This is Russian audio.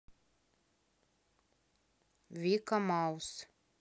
вика маус